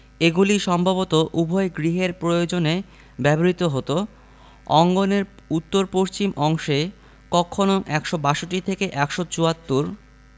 এগুলি সম্ভবত উভয় গৃহের প্রয়োজনে ব্যবহূত হতো অঙ্গনের উত্তর পশ্চিম অংশে কক্ষ নং ১৬২ থেকে ১৭৪